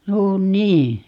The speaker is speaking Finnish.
no niin